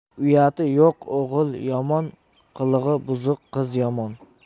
uyati yo'q o'g'il yomon qilig'i buzuq qiz yomon